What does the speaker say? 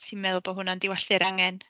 Ti'n meddwl bod hwnna'n diwallu'r angen?